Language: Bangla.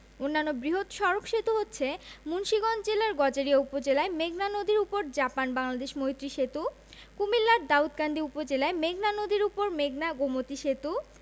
অন্যান্য বৃহৎ সড়ক সেতু হচ্ছে মুন্সিগঞ্জ জেলার গজারিয়া উপজেলায় মেঘনা নদীর উপর জাপান বাংলাদেশ মৈত্রী সেতু কুমিল্লার দাউদকান্দি উপজেলায় মেঘনা নদীর উপর মেঘনা গোমতী সেতু